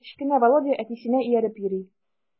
Кечкенә Володя әтисенә ияреп йөри.